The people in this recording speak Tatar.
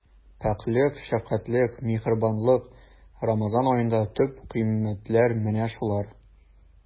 Пакьлек, шәфкатьлелек, миһербанлык— Рамазан аенда төп кыйммәтләр менә шулар.